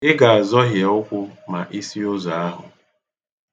Ị ga-azọhie ụkwụ ma ị siri ụzọ ahụ